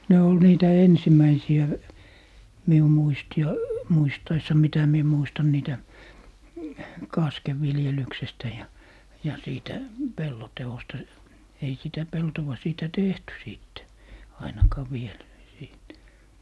ne oli niitä ensimmäisiä minun muistin - muistaessa mitä minä muistan niitä kasken viljelyksestä ja ja siitä pellon teosta ei sitä peltoa siitä tehty sitten ainakaan vielä siitä